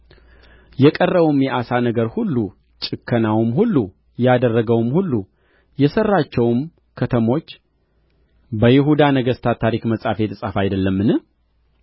የቀረውም የአሳ ነገር ሁሉ ጭከናውም ሁሉ ያደረገውም ሁሉ የሠራቸውም ከተሞች በይሁዳ ነገሥት ታሪክ መጽሐፍ የተጻፈ አይደለምን